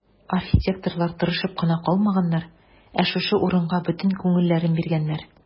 Архитекторлар тырышып кына калмаганнар, ә шушы урынга бөтен күңелләрен биргәннәр.